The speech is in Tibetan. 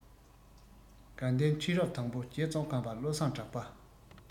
དགའ ལྡན ཁྲི རབས དང པོ རྗེ ཙོང ཁ པ བློ བཟང གྲགས པ